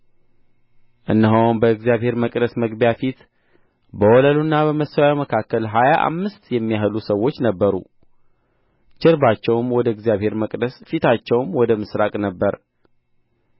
እነሆም በእግዚአብሔር መቅደስ መግቢያ ፊት በወለሉና በመሠዊያው መካከል ሀያ አምስት የሚያህሉ ሰዎች ነበሩ ጀርባቸውም ወደ እግዚአብሔር መቅደስ ፊታቸውም ወደ ምሥራቅ ነበረ